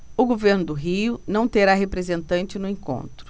o governo do rio não terá representante no encontro